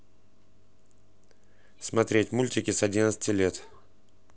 смотреть мультики с одиннадцати лет